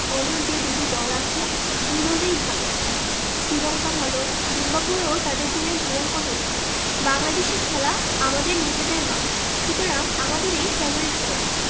অন্য যে দুটি দল আছে দুই দলই ভালো শ্রীলঙ্কা ভালো জিম্বাবুয়েও তাদের দিনে ভয়ংকর হতে পারে বাংলাদেশে খেলা আমাদের নিজেদের মাঠ সুতরাং আমাদেরই ফেবারিট হওয়া উচিত